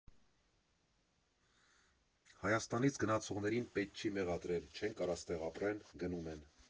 Հայաստանից գնացողներին պետք չի մեղադրել, չեն կարա ստեղ ապրեն՝ գնում են։